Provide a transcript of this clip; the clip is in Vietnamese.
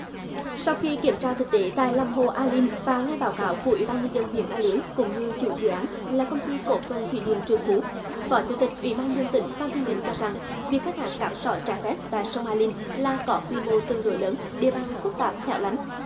sau khi kiểm tra thực tế tại lòng hồ a lin và nghe báo cáo của ủy ban nhân dân huyện a lưới cũng như chủ dự án là công ty cổ phần thủy điện trường phú phó chủ tịch ủy ban dân tỉnh phan thanh bình cho rằng việc khai thác cát sỏi trái phép tại sông a lin là có quy mô tương đối lớn địa bàn phức tạp hẻo lánh